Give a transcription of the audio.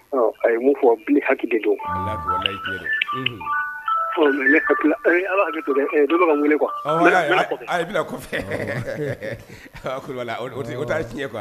A fɔ ha don wele kuwa kɔfɛ kuwa